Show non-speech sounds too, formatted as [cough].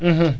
[hesitation] [hesitation]